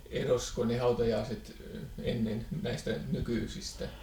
erosiko ne hautajaiset ennen näistä nykyisistä